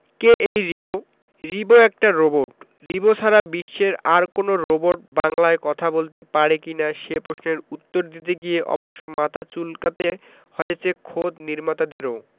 কে এই রিবো রিবো একটা রোবট রিবো ছাড়া বিশ্বের আর কোনো রোবট বাংলায় কথা বলতে পারে কি না সে প্রশ্নের উত্তর দিতে গিয়ে অবশ্য মাথা চুলকাতে হয়েছে খোদ নির্মাতাদেরও